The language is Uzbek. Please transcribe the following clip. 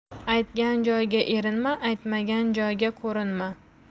aytgan joyga erinma aytmagan joyga ko'rinma